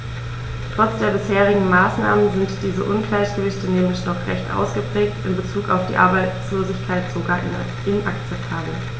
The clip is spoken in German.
Trotz der bisherigen Maßnahmen sind diese Ungleichgewichte nämlich noch recht ausgeprägt, in bezug auf die Arbeitslosigkeit sogar inakzeptabel.